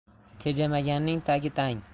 tejamaganning tagi tang